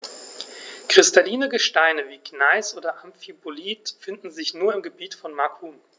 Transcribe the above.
Kristalline Gesteine wie Gneis oder Amphibolit finden sich nur im Gebiet von Macun.